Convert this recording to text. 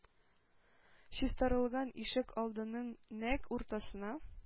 Чистартылган ишек алдының нәкъ уртасына,